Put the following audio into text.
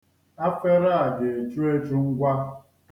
Afere a ga-echu echu ngwa.